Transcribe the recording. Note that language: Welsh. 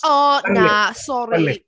O, na, sori.